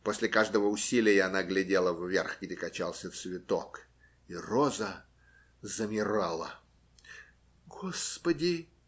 После каждого усилия она глядела вверх, где качался цветок, и роза замирала. - Господи!